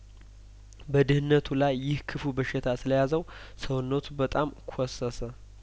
በድህነቱ ላይ ይህ ክፉ በሽታ ስለያዘው ሰውነቱ በጣም ኰሰሰ